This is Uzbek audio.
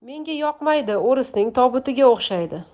menga yoqmaydi o'risning tobutiga o'xshaydi